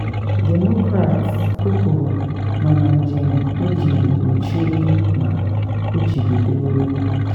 Demokrats, o kwuru, nọ na njem iji “gbochie ma kwụchibido.”